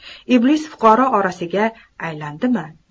iblis fuqaro orasiga aylandimi